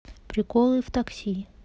приколы в такси